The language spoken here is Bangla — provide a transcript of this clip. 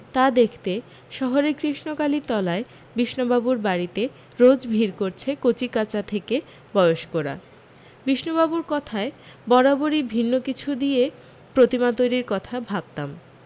তা দেখতে শহরের কৃষ্ণকালী তলায় বিষণুবাবুর বাড়ীতে রোজ ভিড় করছে কচিকাঁচা থেকে বয়সকরা বিষণুবাবুর কথায় বরাবরি ভিন্ন কিছু দিয়ে প্রতিমা তৈরীর কথা ভাবতাম